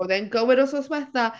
Oedd e'n gywir wythnos ddiwethaf.